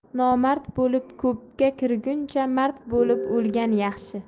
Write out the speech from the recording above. nomard bo'lib ko'pga kirguncha mard bo'lib o'lgan yaxshi